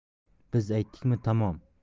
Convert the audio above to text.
biz aytdikmi tamom